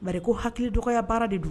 Ba ko hakili dɔgɔ baara de dun